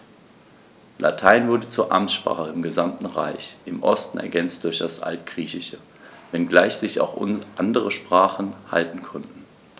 Latein wurde zur Amtssprache im gesamten Reich (im Osten ergänzt durch das Altgriechische), wenngleich sich auch andere Sprachen halten konnten.